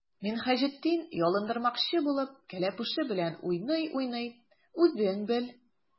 Минһаҗетдин, ялындырмакчы булып, кәләпүше белән уйный-уйный:— Үзең бел!